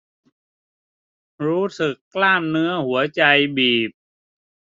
รู้สึกกล้ามเนื้อหัวใจบีบ